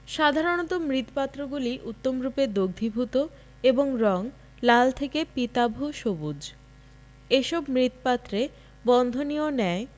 সাধারণত মৃৎপাত্রগুলি উত্তমরূপে দগ্ধীভূত এবং রং লাল থেকে পীতাভ সবুজ এসব মৃৎপাত্রে বন্ধনীয় ন্যায়